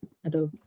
Ydw.